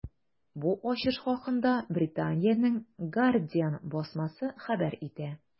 Бу ачыш хакында Британиянең “Гардиан” басмасы хәбәр итә.